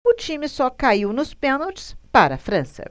o time só caiu nos pênaltis para a frança